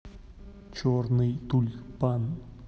черный тюльпан